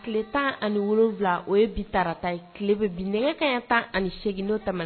Tile tan aniwula o ye bi tarata tile bɛ bi nɛgɛ ka ka tan ani8egino ta